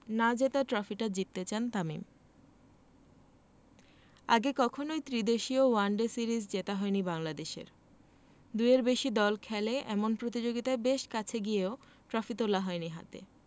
না জেতা ট্রফিটা জিততে চান তামিম আগে কখনোই ত্রিদেশীয় ওয়ানডে সিরিজ জেতা হয়নি বাংলাদেশের দুইয়ের বেশি দল খেলে এমন প্রতিযোগিতায় বেশ কাছে গিয়েও ট্রফি তোলা হয়নি হাতে